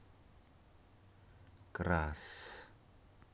крас